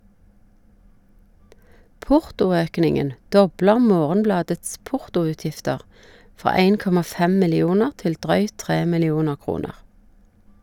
Portoøkningen dobler Morgenbladets portoutgifter fra 1,5 millioner til drøyt tre millioner kroner.